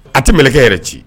A tɛ mkɛ yɛrɛ ci